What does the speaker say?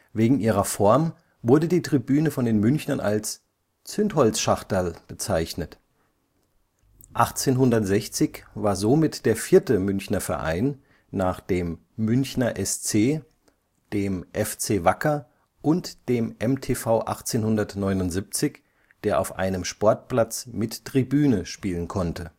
Wegen ihrer Form wurde die Tribüne von den Münchnern als „ Zündholzschachterl “bezeichnet. 1860 war somit der vierte Münchner Verein nach dem Münchner SC, dem FC Wacker und dem MTV 1879, der auf einem Sportplatz mit Tribüne spielen konnte